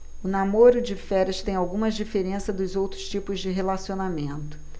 o namoro de férias tem algumas diferenças dos outros tipos de relacionamento